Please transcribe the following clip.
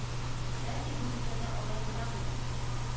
Бәлки бу дөньяда алай ярамыйдыр